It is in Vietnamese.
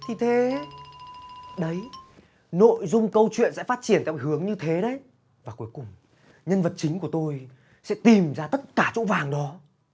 thì thế đấy nội dung câu chuyện sẽ phát triển theo hướng như thế đấy và cuối cùng nhân vật chính của tôi sẽ tìm ra tất cả chỗ vàng đó